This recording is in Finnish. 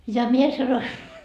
ja minä sanoin